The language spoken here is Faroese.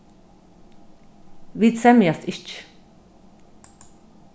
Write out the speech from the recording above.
vit semjast ikki